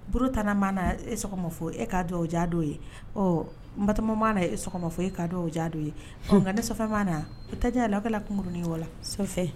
Buru 10 na mana e sɔgɔma fo e ka dɔn o ja do ye ɔɔ n Batoma maa na e sɔgɔma fo e kaa dɔn o ja don ye ɔ ŋa ni Sɔfɛ maa na u tɛ jaala o kɛla kunkurunin ye wa la Sɔfɛ